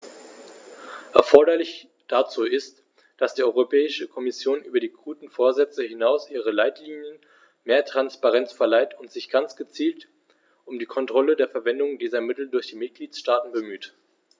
Erforderlich dazu ist, dass die Europäische Kommission über die guten Vorsätze hinaus ihren Leitlinien mehr Transparenz verleiht und sich ganz gezielt um die Kontrolle der Verwendung dieser Mittel durch die Mitgliedstaaten bemüht.